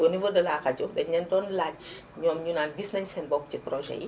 au niveau de la rajo dañu leen doon laaj ñoom ñu naan gis nañu seen bopp si projets yi